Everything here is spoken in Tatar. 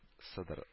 Сыдыр